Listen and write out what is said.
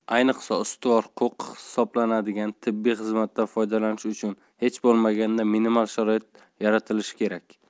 ayniqsa ustuvor huquq hisoblanadigan tibbiy xizmatdan foydalanish uchun hech bo'lmaganda minimal sharoit yaratilishi kerak